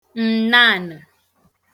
ǹnaanì